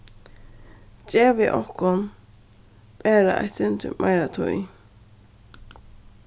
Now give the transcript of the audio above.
gevið okkum bara eitt sindur meira tíð